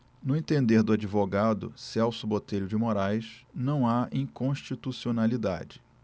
no entender do advogado celso botelho de moraes não há inconstitucionalidade